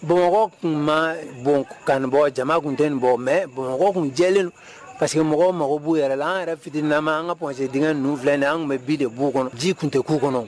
Bɔn tun ma bɔn jama tun tɛ nin mɛ bɔn tun jɛlen parce que mɔgɔ mɔgɔ b'u yɛrɛ la an yɛrɛ fittiri nma an ka quese denkɛgɛ ninnu filɛ nin an tun bɛ bi de b'u kɔnɔ ji tun tɛ'u kɔnɔ